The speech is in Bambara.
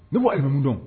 Ne bɔra arundon